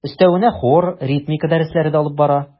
Өстәвенә хор, ритмика дәресләре дә алып бара.